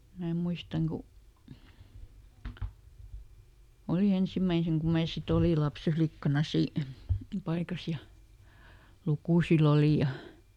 minä muistan kun oli ensimmäisen kun minä sitten olin - lapsenlikkana - paikassa ja lukusilla oli ja